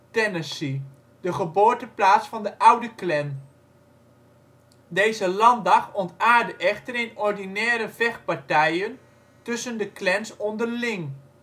Tennessee, de geboorteplaats van de oude Klan. Deze landdag ontaardde echter in ordinaire vechtpartijen tussen de Klans onderling